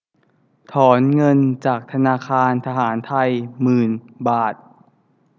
ถอนเงินจากธนาคารทหารไทยหมื่นบาท